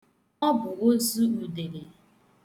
Ọ bụ ozu udele.